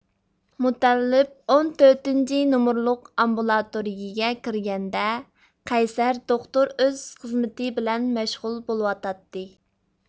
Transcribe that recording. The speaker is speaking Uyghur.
مۇتەللىپ ئون تۆتىنچى نومۇرلۇق ئامبۇلاتورىيىگە كىرگەندە قەيسەر دوختۇر ئۆز خىزمىتى بىلەن مەشغۇل بولۇۋاتاتتى